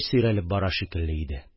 Сөйрәлеп бара шикелле иде.